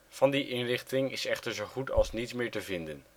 Van die inrichting is echter zo goed als niets meer te vinden